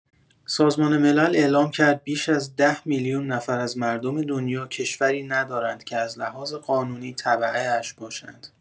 سازمان ملل اعلام کرد بیش از ۱۰ میلیون نفر از مردم دنیا کشوری ندارند که از لحاظ قانونی تبعه‌اش باشند.